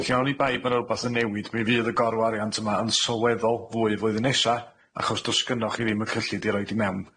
felly oni bai bo' na rwbath yn newid mi fydd y gorwariant yma yn sylweddol fwy flwyddyn nesa achos do's gynno chi ddim y cyllid i roid i mewn